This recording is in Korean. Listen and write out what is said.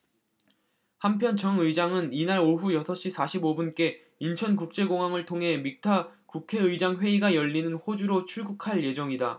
한편 정 의장은 이날 오후 여섯 시 사십 오 분께 인천국제공항을 통해 믹타 국회의장 회의가 열리는 호주로 출국할 예정이다